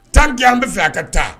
Tan diya an bɛ fɛ a ka taa